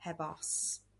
Heb os.